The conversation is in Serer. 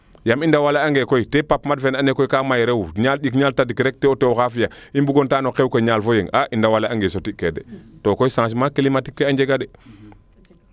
yaam i ndawa le'ange koy te Pape Made fene ka may rew ñaal ndik ñaal tadik te o tewo xa fiya i mbugo ndeta xew ke ñaal fo yeng i ndawale ande soti kee de to koy changement climatique ke a njega de